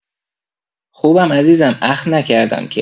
خوبم عزیزم اخم نکردم که